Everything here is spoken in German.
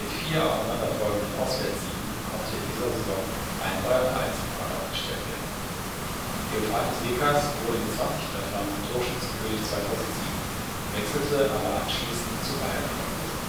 vier aufeinanderfolgenden Auswärtssiegen konnte in dieser Saison ein neuer Vereinsrekord aufgestellt werden. Theofanis Gekas wurde mit 20 Treffern Torschützenkönig 2007, wechselte aber anschließend zu Bayer Leverkusen